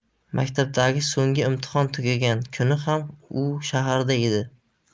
maktabdagi so'nggi imtihon tugagan kuni ham u shaharda edi